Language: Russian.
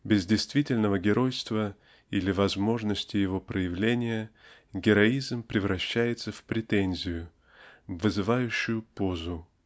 Без действительного геройства или возможности его проявления героизм превращается в претензию в вызывающую позу